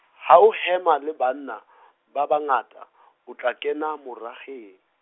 ha o hema le banna , ba bangata , o tla kena moraheng.